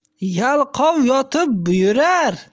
yalqov yotib buyurar